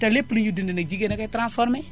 te lépp lu ñuy dundee nag jigéen a koy transformé